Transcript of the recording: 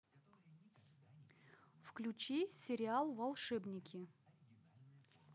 включи сериал волшебники